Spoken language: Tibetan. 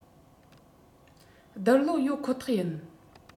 རྡུལ གློ ཡོད ཁོ ཐག ཡིན